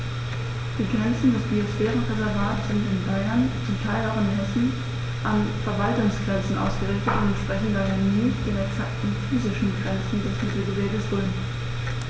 Die Grenzen des Biosphärenreservates sind in Bayern, zum Teil auch in Hessen, an Verwaltungsgrenzen ausgerichtet und entsprechen daher nicht exakten physischen Grenzen des Mittelgebirges Rhön.